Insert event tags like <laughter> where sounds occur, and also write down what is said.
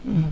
<hesitation> <hesitation>